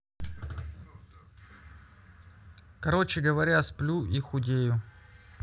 короче говоря сплю и худею